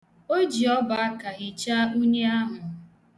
O ji ọbọaka hichaa unyi ahụ.